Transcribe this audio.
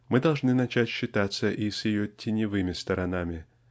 мы должны начать считаться и с ее теневыми сторонами.